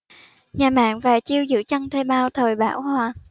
nhà mạng và chiêu giữ chân thuê bao thời bão hòa